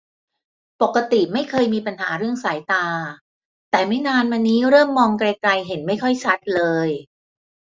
ปกติไม่เคยมีปัญหาเรื่องสายตาแต่ไม่นานมานี้เริ่มมองไกลไกลเห็นไม่ค่อยชัดเลย